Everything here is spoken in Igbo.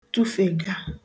tụfèga